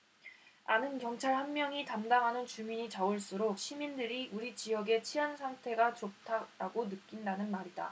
이는 경찰 한 명이 담당하는 주민이 적을수록 시민들이 우리 지역의 치안 상태가 좋다라고 느낀다는 말이다